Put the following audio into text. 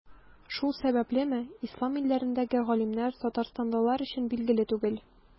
Шул сәбәплеме, Ислам илләрендәге галимнәр Татарстанлылар өчен билгеле түгел.